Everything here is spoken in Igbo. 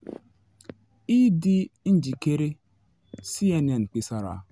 Ị dị njikere?” CNN kpesara.